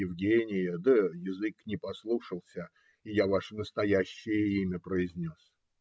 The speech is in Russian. Евгения, да язык не послушался, и я ваше настоящее имя произнес.